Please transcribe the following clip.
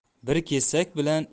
bir kesak bilan